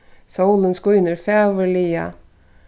sólin skínur fagurliga